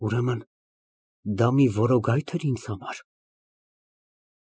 Ուրեմն, այդ մի որոգա՞յթ էր ինձ համար։